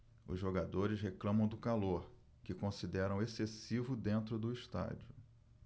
os jogadores reclamam do calor que consideram excessivo dentro do estádio